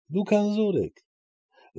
Դուք անզոր եք։